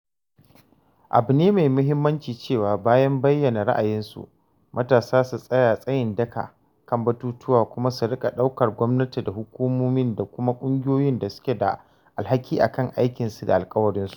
Abu ne mai mahimmanci cewa, bayan bayyana ra’ayinsu, matasa su tsaya tsayin daka kan batutuwa kuma su riƙa ɗaukar gwamnati da hukumomi da kuma ƙungiyoyi da su ke da alhaki akan aikinsu da alkawarinsu.